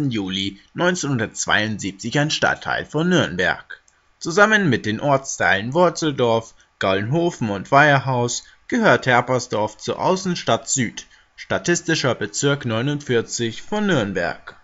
Juli 1972 ein Stadtteil von Nürnberg. Zusammen mit den Ortsteilen Worzeldorf, Gaulnhofen und Weiherhaus (Nürnberg) gehört Herpersdorf zur Aussenstadt Süd (statistischer Bezirk 49) von Nürnberg